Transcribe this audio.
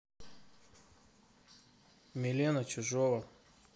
милена чижова